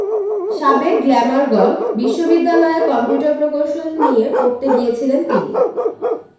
সাবেক গ্লামারগন বিশ্ববিদ্যালয়ে কম্পিউটার প্রকৌশল নিয়ে পড়তে গিয়েছিলেন তিনি